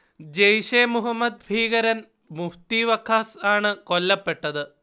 ജെയ്ഷെ മുഹമ്മദ് ഭീകരൻ മുഫ്തി വഖാസ് ആണ് കൊല്ലപ്പെട്ടത്